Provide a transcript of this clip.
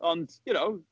Ond, you know.